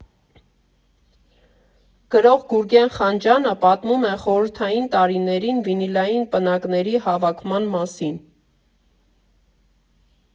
Գրող Գուրգեն Խանջյանը պատմում է խորհրդային տարիներին վինիլային պնակների հավաքման մասին։